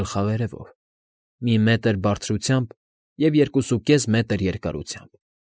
Գլխավերևով՝ մի մետր բարձրությամբ և երկուսուկես մետր երկարությամբ։